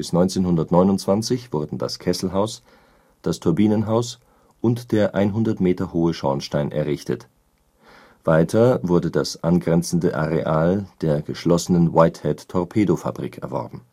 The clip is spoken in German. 1929 wurden das Kesselhaus, das Turbinenhaus und der 100 m hohe Schornstein errichtet, weiters wurde das angrenzende Areal der geschlossenen Whitehead Torpedofabrik erworben